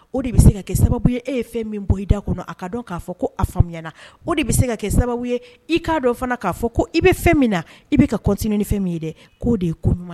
O de bɛ se ka kɛ sababu ye , e ye fɛn min bɔ i da kɔnɔ , a ka dɔn k'a fɔ ko a faamuyala, o de bɛ se ka kɛ sababu ye i k'a dɔn fana k'a fɔ ko i bɛ fɛn min na i bɛ ka continuer fɛn min ye dɛ k'o de ye koɲuman ye.